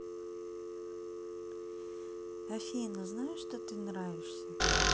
афина знаешь что ты нравишься